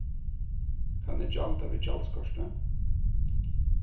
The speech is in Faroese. kann eg gjalda við gjaldskorti